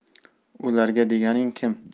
ularga deganing kim